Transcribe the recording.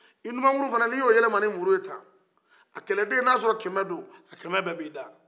i numakuru fana ni y'a o yɛlɛma ni muru ye tan a kɛlɛden nin o y'a sɔrɔ kɛmɛ don a kɛmɛ bɛɛ bɛ a da